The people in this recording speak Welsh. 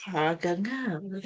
Pa gyngerdd?